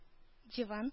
Диван